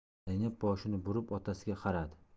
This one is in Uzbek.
zaynab boshini burib otasiga qaradi